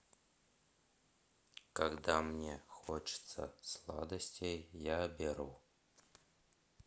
когда мне хочется сладостей я беру